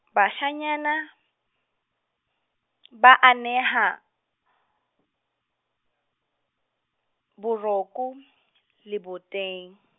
bashanyana, ba aneha, boroku, leboteng.